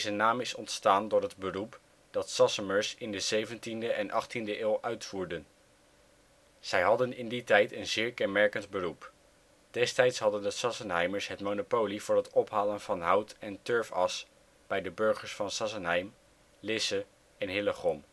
naam is ontstaan door het beroep dat Sassemers in de 17e en 18e eeuw uitvoerden. Zij hadden in die tijd een zeer kenmerkend beroep. Destijds hadden de Sassenheimers het monopolie voor het ophalen van hout - en turfas bij de burgers van Sassenheim, Lisse en Hillegom